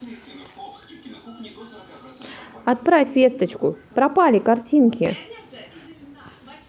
отправь весточку пропали картинки